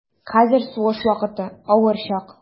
Хәзер сугыш вакыты, авыр чак.